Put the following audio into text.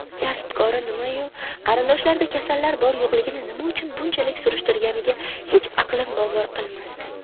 kasb kori nimayu qarindoshlarida kasallar bor yo'qligini nima uchun bunchalik surishtirganiga hech aqlim bovar qilmasdi